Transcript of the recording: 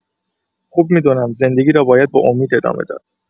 خوب می‌دانم زندگی را باید با امید ادامه داد.